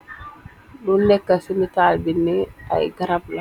Lu lekka si neetali bi nee ay ay garab la.